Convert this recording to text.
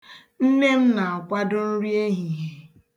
Nne m na-akwado nri ehihie.